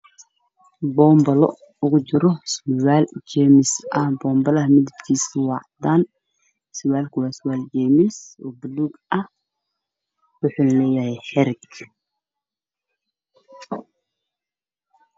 Waa boom balo cadaan waxaa ku jira sual james oo buluug ah oo meel cadaan yaalo